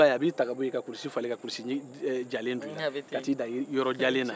a b'i ta ka bɔ yen ka kulusi jalen don i la k'a bila yɔrɔ wɛrɛ